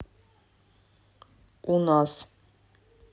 у нас